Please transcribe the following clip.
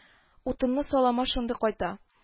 Утыны-саламы шунда кайта